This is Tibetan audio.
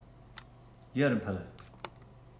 ཡར འཕར